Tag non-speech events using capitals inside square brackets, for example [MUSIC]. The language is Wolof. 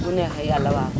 bu neexee yàlla waaw [NOISE]